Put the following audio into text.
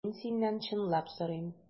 Мин синнән чынлап сорыйм.